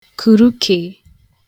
kùrukeē